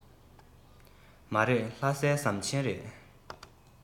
མ རེད ལྷ སའི ཟམ ཆེན རེད